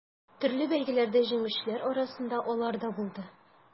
Төрле бәйгеләрдә җиңүчеләр арасында алар да булды.